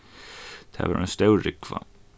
tað var ein stór rúgva